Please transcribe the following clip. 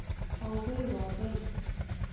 Алдый ул, алдый.